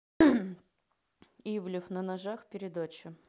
ивлев на ножах передача